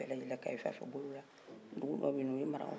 dugu dɔ bɛ yen nɔ o ye marakaw sigi tunkara ninnu sigira yen nɔ